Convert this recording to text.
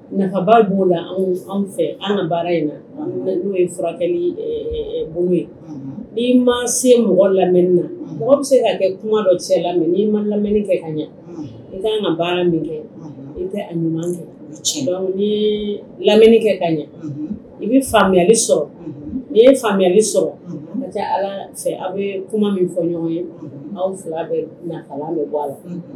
Nafaba b'o la anw fɛ an baara in na n'o ye furakɛli b ye i ma se mɔgɔ lamɛnni na mɔgɔ bɛ se ka kɛ kuma dɔ cɛ la nii ma lamɛnni kɛ ka ɲɛ n ka ka baara min kɛ i tɛ ɲuman fɛ ni lamni kɛ ka ɲɛ i bɛ faamuyayali sɔrɔ i ye faamuyayali sɔrɔ aw bɛ kuma min fɔ ɲɔgɔn ye anw fila bɛ na ala de bɔ a la